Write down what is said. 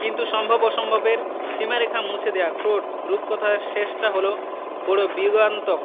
কিন্তু সম্ভব অসম্ভবের সীমারেখা মুছে দেয়া ক্রোট রূপকথার শেষটা হল বড় বিয়োগান্তক